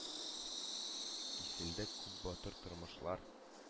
Киселде күп батыр тормышлар,